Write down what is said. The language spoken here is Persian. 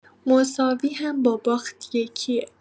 مساوی هم با باخت یکیه